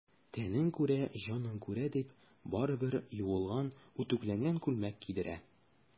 Тәнең күрә, җаның күрә,— дип, барыбер юылган, үтүкләнгән күлмәк кидерә.